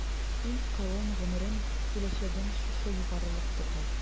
Ил-кавем гомерен, киләчәген шушы югарылык тота.